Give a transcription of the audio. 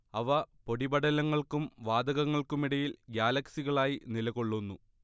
അവ പൊടിപടലങ്ങൾക്കും വാതകങ്ങൾക്കുമിടയിൽ ഗ്യാലക്സികളായി നിലകൊള്ളുന്നു